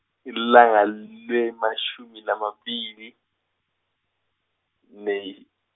lilanga lemashumi lamabili, May.